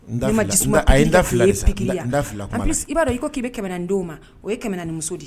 N ma jisuma, o expliquer e ye . N da filila. Ayi n da filila de sa. N da filila kuma la. En plus i b'a dɔn, i ko k'i bɛ 2000 d'o ma. O ye 2000 muso de